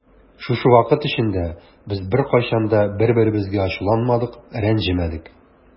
Шушы вакыт эчендә без беркайчан да бер-беребезгә ачуланмадык, рәнҗемәдек.